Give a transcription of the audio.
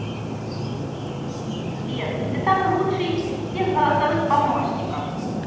сбер ты самый лучший из всех голосовых помощников